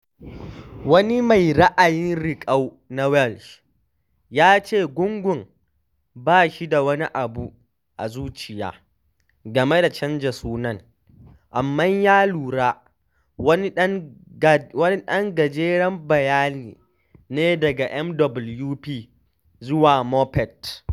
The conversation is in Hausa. Wani mai ra’ayin riƙau na Welsh ya ce gungun “ba shi da wani abu a zuciya” game da canza sunan, amma ya lura wani ɗan gajeren bayani ne daga MWP zuwa Muppet.